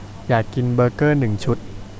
อยากกินเบอร์เกอร์หนึ่งชุด